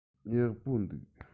ཡག པོ འདུག